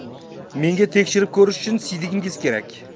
menga tekshirib ko'rish uchun siydigingiz kerak